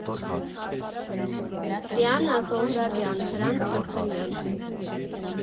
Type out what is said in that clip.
Դիանա Զոհրաբյան, Հրանտ Թրթրյան։